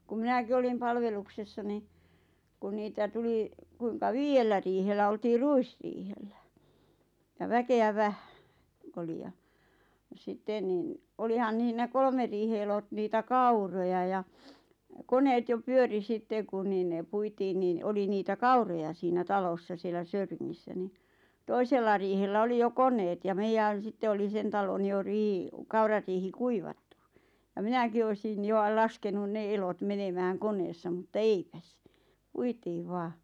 kun minäkin olin palveluksessa niin kun niitä tuli kuinka viidellä riihellä oltiin ruisriihellä ja väkeä vähän - oli ja ja sitten niin olihan niin ne kolmen riihen elot niitä kauroja ja koneet jo pyöri sitten kun niin ne puitiin niin oli niitä kauroja siinä talossa siellä Söyringissä niin toisella riihellä oli jo koneet ja meidän sitten oli sen talon jo - kaurariihi kuivattu ja minäkin olisin jo - laskenut ne elot menemään koneessa mutta eipäs puitiin vain